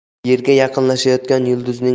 yerga yaqinlashayotgan yulduzning